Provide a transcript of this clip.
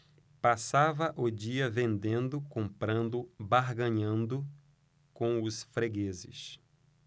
passava o dia vendendo comprando barganhando com os fregueses